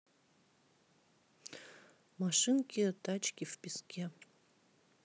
машинки тачки в песке